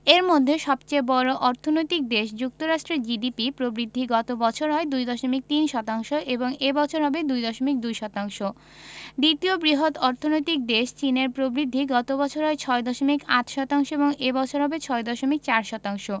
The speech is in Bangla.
এর মধ্যে সবচেয়ে বড় অর্থনৈতিক দেশ যুক্তরাষ্ট্রের জিডিপি প্রবৃদ্ধি গত বছর হয় ২.৩ শতাংশ এবং এ বছর হবে ২.২ শতাংশ দ্বিতীয় বৃহৎ অর্থনৈতিক দেশ চীনের প্রবৃদ্ধি গত বছর হয় ৬.৮ শতাংশ এবং এ বছর হবে ৬.৪ শতাংশ